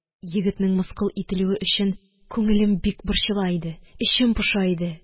Егетнең мыскыл ителүе өчен күңелем бик борчыла иде. Эчем поша иде.